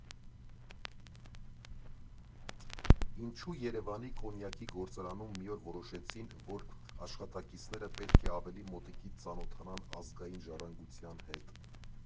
Ինչո՞ւ Երևանի կոնյակի գործարանում մի օր որոշեցին, որ աշխատակիցները պետք է ավելի մոտիկից ծանոթանան ազգային ժառանգության հետ։